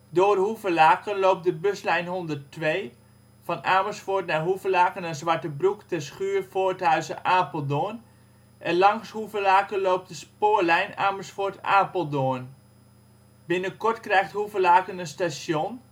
Door Hoevelaken loopt de buslijn 102 (Amersfoort, Hoevelaken, Zwartebroek, Terschuur, Voorthuizen, Apeldoorn) en langs Hoevelaken loopt de spoorlijn Amersfoort-Apeldoorn. Binnenkort krijgt Hoevelaken een station